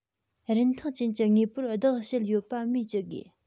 རིན ཐང ཅན གྱི དངོས པོར བདག བྱེད ཡོད པ སྨོས ཅི དགོས